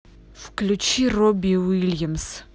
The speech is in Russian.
включи робби уильямс